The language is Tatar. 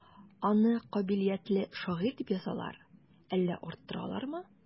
Аны кабилиятле шагыйрь дип язалар, әллә арттыралармы?